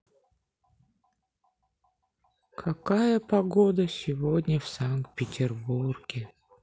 какая погода сегодня в санкт петербурге